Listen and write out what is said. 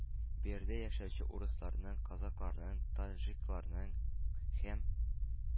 Биредә яшәүче урысларның, казакъларның, таҗикларның һәм